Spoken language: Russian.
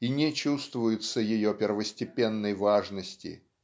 и не чувствуется ее первостепенной важности.